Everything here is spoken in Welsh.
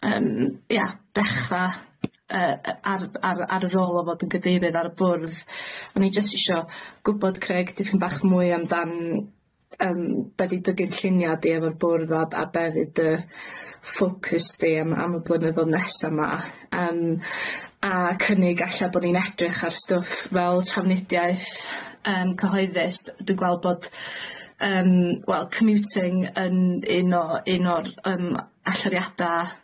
yym ia dechra' yy yy ar ar ar y rôl o fod yn gadeirydd ar y bwrdd o'n i jyst isio gwbod Craig dipyn bach mwy amdan yym be' di dy gynllunia' di efo'r bwrdd a b- a be' fydd dy ffocws di am am y blynyddoedd nesa' 'ma yym a cynnig ella bo' ni'n edrych ar stwff fel trafnidiaeth yym cyhoeddus d- dwi'n gweld bod yym wel commuting yn un o un o'r yym allariada',